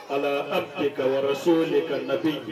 Ala hakili kawaso de ka labɛnbi bi